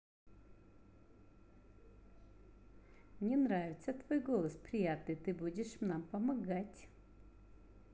мне нравится твой голос приятный ты будешь нам помогать